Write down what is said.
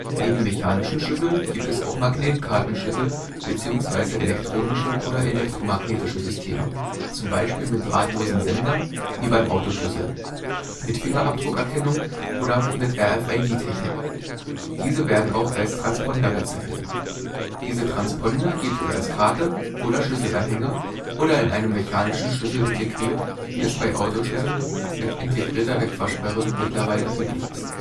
Neben mechanischen Schlüsseln gibt es auch Magnetkartenschlüssel bzw. elektronische oder elektromagnetische Systeme, zum Beispiel: mit drahtlosem Sender (wie beim Autoschlüssel), mit Fingerabdruck-Erkennung oder mit RFID-Technik. Diese werden auch als Transponder bezeichnet. Diese Transponder gibt es als Karte oder Schlüsselanhänger oder in einem mechanischen Schlüssel integriert, wie es bei Autoschlüsseln mit integrierter Wegfahrsperre mittlerweile üblich ist